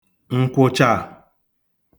ǹkwụ̀chà